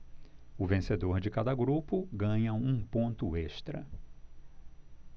o vencedor de cada grupo ganha um ponto extra